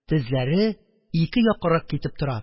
Тезләре ике яккарак китеп тора,